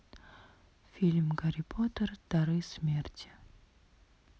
фильм гарри поттер дары смерти